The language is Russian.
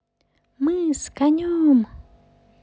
мы с конем